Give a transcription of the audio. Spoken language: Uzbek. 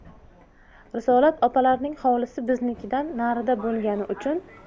risolat opalarning hovlisi biznikidan narida bo'lgani uchun